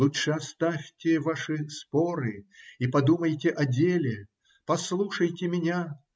Лучше оставьте ваши споры и подумайте о деле. Послушайте меня